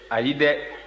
ayi dɛ